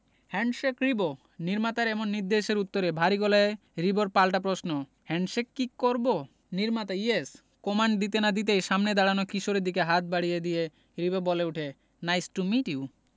handshake Ribo নির্মাতার এমন নির্দেশের উত্তরে ভারী গলায় রিবোর পাল্টা প্রশ্ন হ্যান্ডশেক কি করবো নির্মাতা ইয়েস কমান্ড দিতে না দিতেই সামনের দাঁড়ানো কিশোরের দিকে হাত বাড়িয়ে দিয়ে রিবো বলে উঠে নাইস টু মিট ইউ